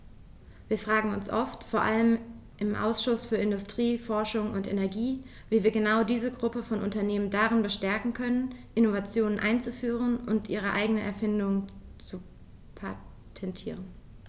Wir fragen uns oft, vor allem im Ausschuss für Industrie, Forschung und Energie, wie wir genau diese Gruppe von Unternehmen darin bestärken können, Innovationen einzuführen und ihre eigenen Erfindungen zu patentieren.